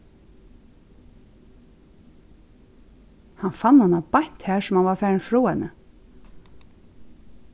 hann fann hana beint har sum hann var farin frá henni